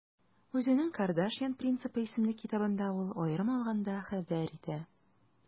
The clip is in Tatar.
Үзенең «Кардашьян принципы» исемле китабында ул, аерым алганда, хәбәр итә: